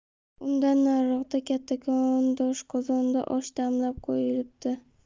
undan nariroqda kattakon doshqozonda osh damlab qo'yilibdi